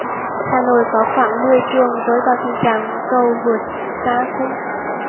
hà nội có khoảng mười trường rơi vào tình trạng cầu vượt xa cung